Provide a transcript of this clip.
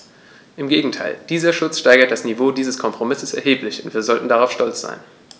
Im Gegenteil: Dieser Schutz steigert das Niveau dieses Kompromisses erheblich, und wir sollten stolz darauf sein.